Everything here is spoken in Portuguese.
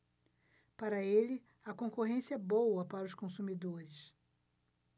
para ele a concorrência é boa para os consumidores